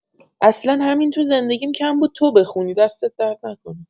اصلا همین تو زندگیم کم بود تو بخونی دستت درد نکنه